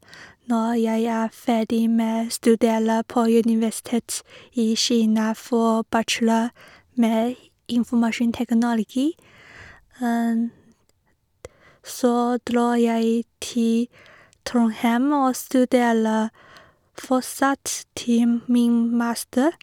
Når jeg er ferdig med studere på universitet i Kina for bachelor med informasjonsteknologi, så dra jeg til Trondheim og studerer fortsatt til min master.